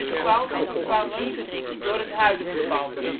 pand vervangen door het huidige pand